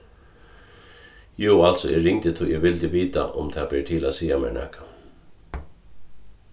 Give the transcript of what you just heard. jú altso eg ringdi tí eg vildi vita um tað ber til at siga mær nakað